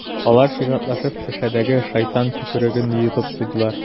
Алар чиратлашып шешәдәге «шайтан төкереге»н йотып куйдылар.